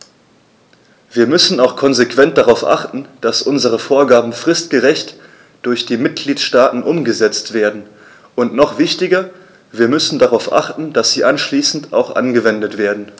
Wir müssen auch konsequent darauf achten, dass unsere Vorgaben fristgerecht durch die Mitgliedstaaten umgesetzt werden, und noch wichtiger, wir müssen darauf achten, dass sie anschließend auch angewendet werden.